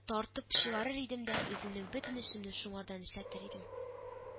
Тартып чыгарыр идем дә үземнең бөтен эшемне шуңардан эшләтер идем